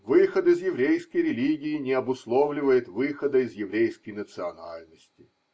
Выход из еврейской религии не обусловливает выхода из еврейской национальности.